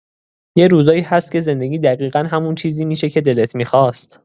یه روزایی هست که زندگی دقیقا همون چیزی می‌شه که دلت می‌خواست.